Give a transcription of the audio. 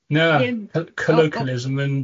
Na, c- colloquialism yn